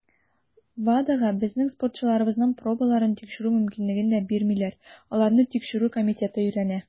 WADAга безнең спортчыларыбызның пробаларын тикшерү мөмкинлеген дә бирмиләр - аларны Тикшерү комитеты өйрәнә.